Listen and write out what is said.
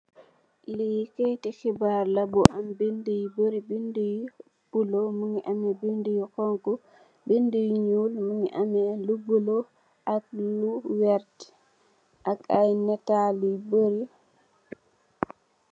Li kayeti xebar la mungi ame binde yu bari binde yu bula mungi ame binde Yu bula ak yu xonxu ak yu njul mungi ame lu bula ak lu wert ak ay natal yu bari